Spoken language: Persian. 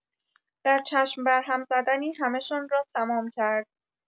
در چشم بر هم زدنی همه‌شان را تمام کرد!